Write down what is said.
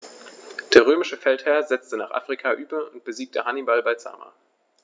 Der römische Feldherr setzte nach Afrika über und besiegte Hannibal bei Zama.